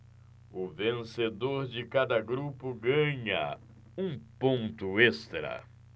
o vencedor de cada grupo ganha um ponto extra